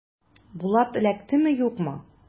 Булат эләктеме, юкмы?